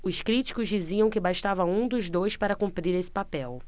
os críticos diziam que bastava um dos dois para cumprir esse papel